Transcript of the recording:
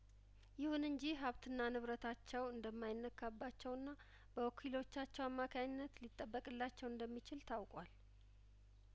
ይሁን እንጂ ሀብትና ንብረታቸው እንደማይነካ ባቸውና በወኪሎ ቻቸው አማካይነት ሊጠበቅላቸው እንደሚችል ታውቋል